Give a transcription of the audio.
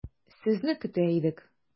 Сезне көтә идек.